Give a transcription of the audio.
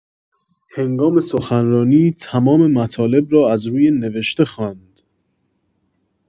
هنگام سخنرانی تمام مطالب را از روی نوشته خواند